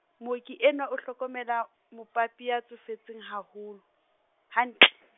mooki enwa o hlokomela, mopapi ya tsofetseng ha holo, hantle.